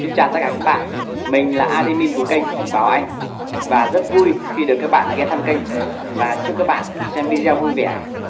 xin chào tất cả các bạn mình là admin của kênh bảo anh và rất vui khi được các bạn ghé thăm kênh và chúc các bạn xem video vui vẻ